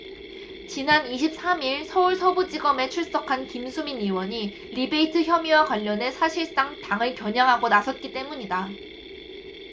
지난 이십 삼 일 서울서부지검에 출석한 김수민 의원이 리베이트 혐의와 관련해 사실상 당을 겨냥하고 나섰기 때문이다